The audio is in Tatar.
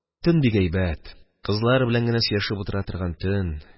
Төн бик әйбәт – кызлар белән генә сөйләшеп утыра торган төн.